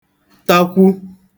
takwu